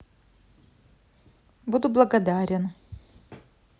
буду благодарен